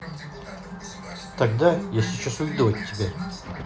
тогда я сейчас уйду от тебя